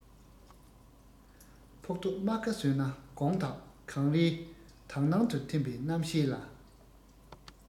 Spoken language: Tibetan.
ཕོག ཐུག རྨ ཁ བཟོས ན དགོངས དག གངས རིའི དག སྣང དུ ཐིམ པའི རྣམ ཤེས ལ